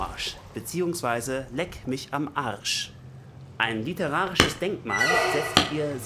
Arsch “beziehungsweise „ Leck mich am Arsch “. Ein literarisches Denkmal setzte ihm